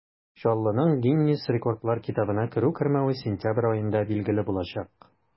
Чаллының Гиннес рекордлар китабына керү-кермәве сентябрь аенда билгеле булачак.